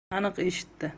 aniq eshitdi